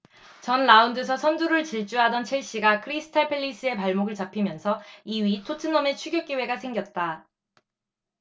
전 라운드서 선두를 질주하던 첼시가 크리스탈 팰리스에 발목을 잡히면서 이 위 토트넘에 추격 기회가 생겼다